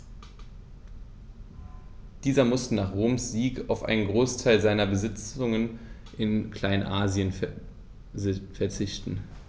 Dieser musste nach Roms Sieg auf einen Großteil seiner Besitzungen in Kleinasien verzichten.